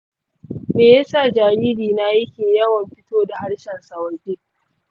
me ya sa jaririna yake yawan fito da harshensa waje?